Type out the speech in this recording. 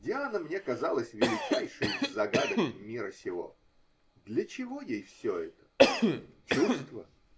Диана мне казалась величайшей из загадок мира сего. Для чего ей все это? Чувство?